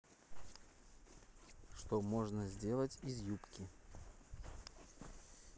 что можно сделать из юбки